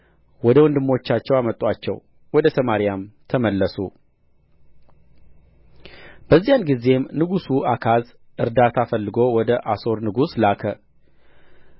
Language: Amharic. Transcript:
ወደ ወንድሞቻቸው አመጡአቸው ወደ ሰማርያም ተመለሱ በዚያን ጊዜም ንጉሡ አካዝ እርዳታ ፈልጎ ወደ አሦር ንጉሥ ላከ